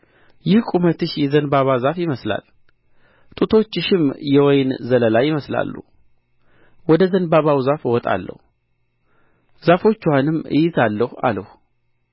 ይህ ቁመትሽ የዘንባባ ዛፍ ይመስላል ጡቶችሽም የወይን ዘለላ ይመስላሉ ወደ ዘንባባው ዛፍ እወጣለሁ ጫፎችዋንም እይዛለሁ አልሁ